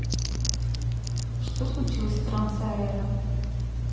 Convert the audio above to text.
что случилось с трансаэро